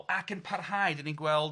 Ac yn parhau, 'dan ni'n gweld